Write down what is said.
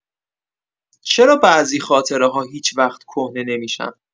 چرا بعضی خاطره‌ها هیچ‌وقت کهنه نمی‌شن؟